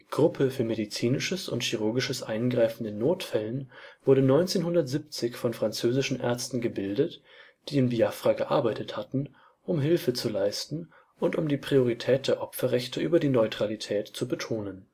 Gruppe für medizinisches und chirurgisches Eingreifen in Notfällen “) wurde 1970 von französischen Ärzten gebildet, die in Biafra gearbeitet hatten, um Hilfe zu leisten und um die Priorität der Opferrechte über die Neutralität zu betonen